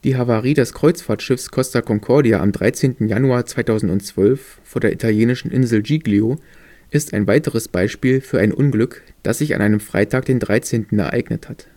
Havarie des Kreuzfahrtschiffs Costa Concordia am 13. Januar 2012 vor der italienischen Insel Giglio ist ein weiteres Beispiel für ein Unglück, das sich an einem Freitag, den 13. ereignet hat